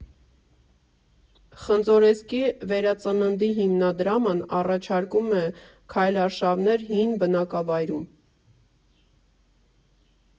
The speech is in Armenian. Խնձորեսկի վերածննդի հիմնադրամն առաջարկում է քայլարշավներ հին բնակավայրում։